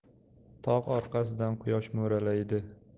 tog' orqasidan quyosh mo'ralaydi